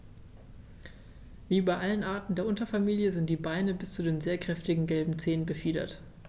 Wie bei allen Arten der Unterfamilie sind die Beine bis zu den sehr kräftigen gelben Zehen befiedert.